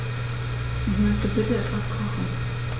Ich möchte bitte etwas kochen.